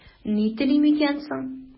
Ни телим икән соң?